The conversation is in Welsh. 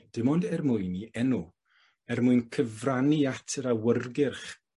dim ond er mwyn 'i enw, er mwyn cyfrannu at yr awyrgyrch